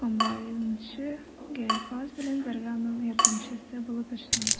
комбайнчы Гыйльфас белән бергә, аның ярдәмчесе булып эшли.